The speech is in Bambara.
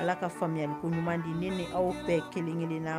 Ala ka faamuya ni ko ɲuman di ni ni aw bɛɛ kelenkelen na